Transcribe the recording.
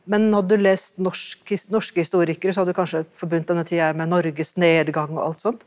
men hadde du lest norsk norske historikere så hadde du kanskje forbundet denne tida her med Norges nedgang og alt sånt.